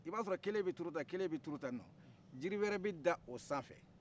i b' asɔrɔ kelen bɛ turu tan kelen bɛ turu tan jiri wɛrɛ bɛ da o sanfɛ